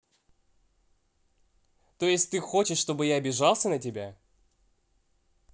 то есть ты хочешь чтобы я обижался на тебя